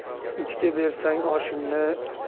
itga bersang oshingni